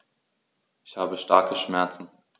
Ich habe starke Schmerzen.